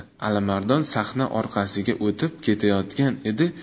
alimardon sahna orqasiga o'tib ketayotgan edi